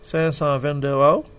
522 waaw